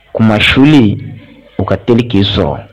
Kuma sulen u ka teli k' sɔrɔ